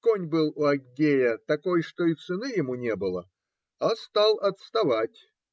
конь был у Аггея такой, что и цены ему не было, а стал отставать.